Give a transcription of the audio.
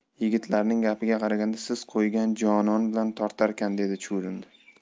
yigitlarning gapiga qaraganda siz qo'ygan jonon bilan tortarkan dedi chuvrindi